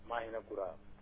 Mayina Kura